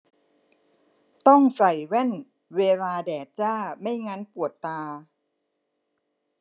ต้องใส่แว่นเวลาแดดจ้าไม่งั้นปวดตา